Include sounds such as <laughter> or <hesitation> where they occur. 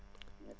<hesitation>